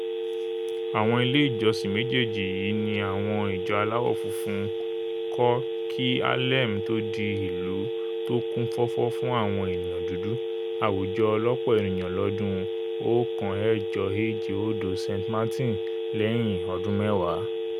Àwọn ilé ìjọsìn méjeejì yìí ni àwọn ìjọ alawọ funfun kọ kí Harlem tó di ìlú tó kún fọfọ fún àwọn eniyan dúdú - Àwùjọ Ọlọpọ Eniyan lọdun 1870, St. Martin, lẹyin ọdún mẹwaa.